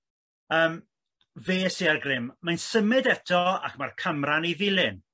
yym fe sy a'r grym mae'n symud eto ac ma'r camra'n i ddilyn